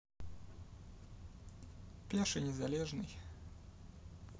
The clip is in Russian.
пеший незалежный